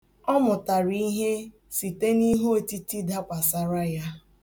Ọ mụtara ihe site n'iheotiti dakwasara ya.